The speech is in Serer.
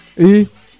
i